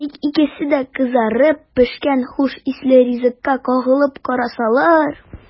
Тик икесе дә кызарып пешкән хуш исле ризыкка кагылып карасалар!